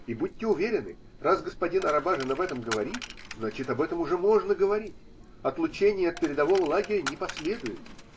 И будьте уверены – раз господин Арабажин об этом говорит, значит об этом уже можно говорить: отлучение от передового лагеря не последует.